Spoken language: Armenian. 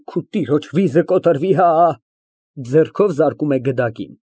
Այ քո տիրոջ վիզը կոտրվի հա։ (Ձեռքով զարկում է գդակին)։